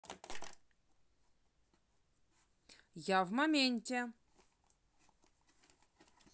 я в моменте